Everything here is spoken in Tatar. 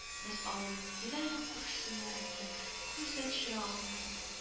Без авылның тирә-як күршесенә рәтләп күз дә төшерә алмадык